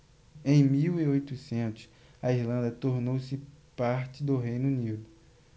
em mil e oitocentos a irlanda tornou-se parte do reino unido